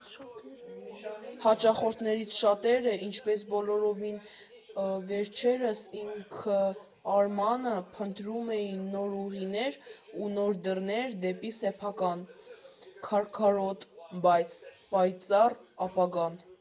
Հաճախորդներից շատերը, ինչպես բոլորովին վերջերս ինքը՝ Արմանը, փնտրում էին նոր ուղիներ ու նոր դռներ դեպի սեփական, քարքարոտ, բայց պայծառ ապագան։